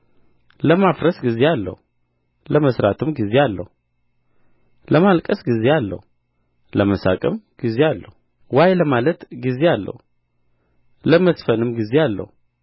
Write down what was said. ለማፍረስ ጊዜ አለው ለመሥራትም ጊዜ አለው ለማልቀስ ጊዜ አለው ለመሳቅም ጊዜ አለው ዋይ ለማለት ጊዜ አለው ለመዝፈንም ጊዜ አለው